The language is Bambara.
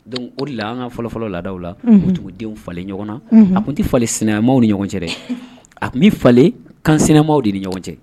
Dɔnku o de la an ka fɔlɔfɔlɔ law la tugu denw falenle ɲɔgɔn na a tun tɛ falenle sinamaw ni ɲɔgɔn cɛ dɛ a tun bɛ fale kan sinamaw de ni ɲɔgɔn cɛ